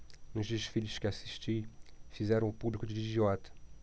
nos desfiles que assisti fizeram o público de idiota